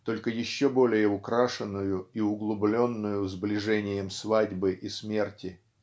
только еще более украшенную и углубленную сближением свадьбы и смерти